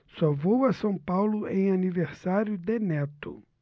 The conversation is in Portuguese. só vou a são paulo em aniversário de neto